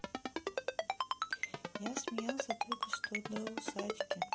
я смеялся только что до усачки